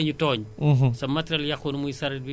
ñun am na ndàmpaay bi ñu koy jox pour mu defar loolu